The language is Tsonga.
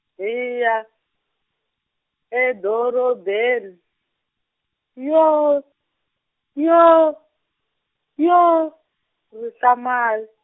hi ya, edorobeni, yoo, yoo, yoo, rihlamal-.